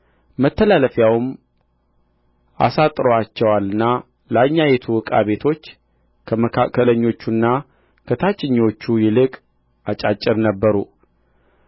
መተላለፊያውም አሳጥሮአቸዋልና ላይኞቹ ዕቃ ቤቶች ከመካከለኞቹና ከታችኞቹ ይልቅ አጫጭር ነበሩ